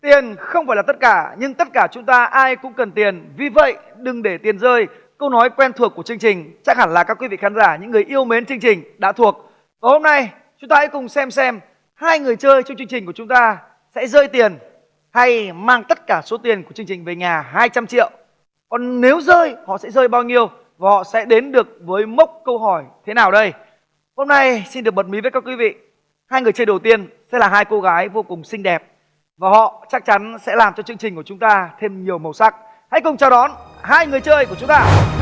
tiền không phải là tất cả nhưng tất cả chúng ta ai cũng cần tiền vì vậy đừng để tiền rơi câu nói quen thuộc của chương trình chắc hẳn là các quý vị khán giả những người yêu mến chương trình đã thuộc hôm nay chúng ta hãy cùng xem xem hai người chơi trong chương trình của chúng ta sẽ rơi tiền hay mang tất cả số tiền của chương trình về nhà hai trăm triệu còn nếu rơi họ sẽ rơi bao nhiêu và họ sẽ đến được với mốc câu hỏi thế nào đây hôm nay xin được bật mí với các quý vị hai người chơi đầu tiên sẽ là hai cô gái vô cùng xinh đẹp và họ chắc chắn sẽ làm cho chương trình của chúng ta thêm nhiều màu sắc hãy cùng chào đón hai người chơi của chúng ta